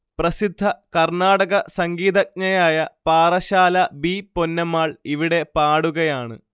പ്രസിദ്ധ കർണാടക സംഗീതജ്ഞയായ പാറശ്ശാല ബി പൊന്നമ്മാൾ ഇവിടെ പാടുകയാണ്